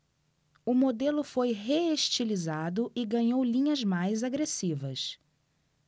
o modelo foi reestilizado e ganhou linhas mais agressivas